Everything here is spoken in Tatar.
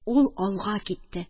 Ул алга китте.